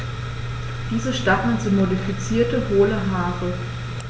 Diese Stacheln sind modifizierte, hohle Haare.